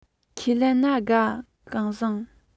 ཁས ལེན ན དགའ ཀེང བཟང